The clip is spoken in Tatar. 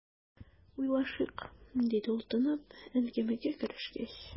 "уйлашыйк", - диде ул, тынып, әңгәмәгә керешкәч.